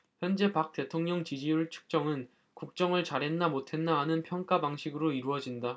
현재 박 대통령 지지율 측정은 국정을 잘했나 못했나 하는 평가 방식으로 이루어진다